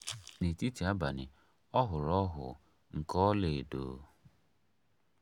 N'etiti abalị, ọ hụrụ ọhụụ nke ọlaedo.